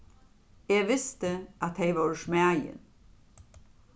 eg visti at tey vóru smæðin